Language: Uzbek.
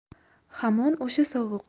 hamon o'sha sovuq